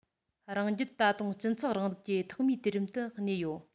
རང རྒྱལ ད དུང སྤྱི ཚོགས རིང ལུགས ཀྱི ཐོག མའི དུས རིམ དུ གནས ཡོད